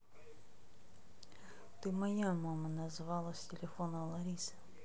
ты моя мама назвала с телефона лариса